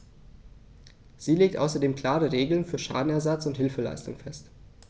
Sie legt außerdem klare Regeln für Schadenersatz und Hilfeleistung fest.